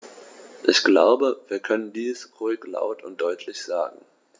Ich glaube, wir können dies ruhig laut und deutlich sagen.